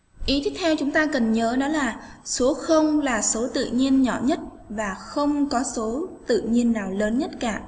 tiếp theo chúng ta cần nhớ đó là số là số tự nhiên nhỏ nhất và không có số tự nhiên nào lớn nhất cả